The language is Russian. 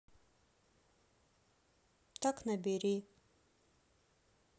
так набери